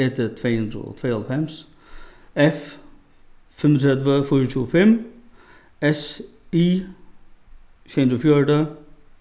e d tvey hundrað og tveyoghálvfems f fimmogtretivu fýraogtjúgu fimm s i sjey hundrað og fjøruti